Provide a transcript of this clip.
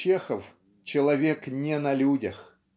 Чехов - человек не на людях.